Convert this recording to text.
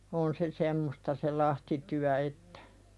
on se semmoista se lahtityö että